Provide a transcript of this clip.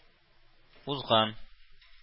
Узган